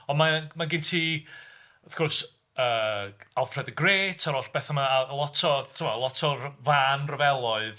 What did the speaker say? Ond mae o... Mae gen ti wrth gwrs yy Alfred the Great a'r holl bethau 'ma a lot o ti'n gwbod lot o fân ryfeloedd.